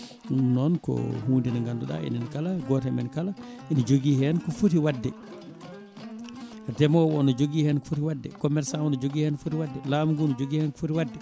ɗum noon ko hunde nde ganduɗa enen kala goto e men kala ene joogui hen ko footi wadde ndemowo o ne jogui hen ko footi wadde commerçant o ne joogui hen ko footi wadde laamu ngu ne joogui hen ko footi wadde